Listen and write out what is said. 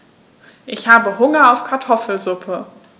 Ich habe Hunger auf Kartoffelsuppe.